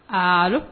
Aalo